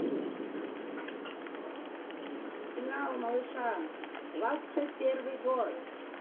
final малыша двадцать первый год